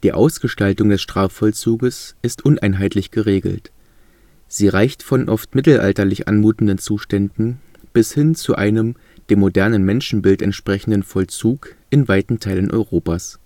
Ausgestaltung des Strafvollzuges ist uneinheitlich geregelt. Sie reicht von oft mittelalterlich anmutenden Zuständen bis hin zu einem dem modernen Menschenbild entsprechenden Vollzug in weiten Teilen Europas